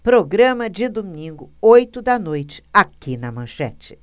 programa de domingo oito da noite aqui na manchete